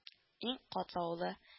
Иң катлаулы